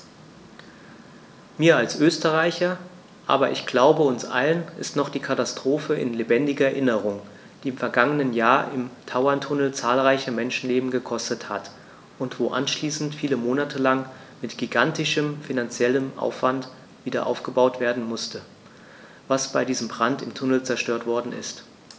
Mir als Österreicher, aber ich glaube, uns allen ist noch die Katastrophe in lebendiger Erinnerung, die im vergangenen Jahr im Tauerntunnel zahlreiche Menschenleben gekostet hat und wo anschließend viele Monate lang mit gigantischem finanziellem Aufwand wiederaufgebaut werden musste, was bei diesem Brand im Tunnel zerstört worden ist.